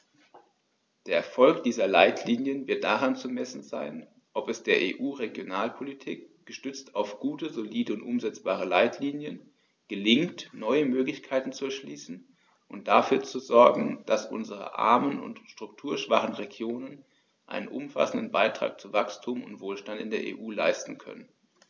Der Erfolg dieser Leitlinien wird daran zu messen sein, ob es der EU-Regionalpolitik, gestützt auf gute, solide und umsetzbare Leitlinien, gelingt, neue Möglichkeiten zu erschließen und dafür zu sogen, dass unsere armen und strukturschwachen Regionen einen umfassenden Beitrag zu Wachstum und Wohlstand in der EU leisten können.